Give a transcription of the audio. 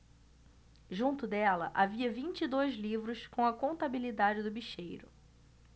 junto dela havia vinte e dois livros com a contabilidade do bicheiro